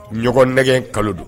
Ɲɔgɔn nɛgɛn kalo don